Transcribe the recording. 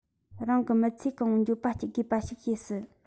རང གི མི ཚེ གང བོ འགྱོད པ སྐྱེ དགོས པ ཞིག བྱེད སྲིད